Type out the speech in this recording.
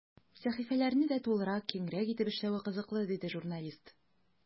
Сәхифәләрне дә тулырак, киңрәк итеп эшләве кызыклы, диде журналист.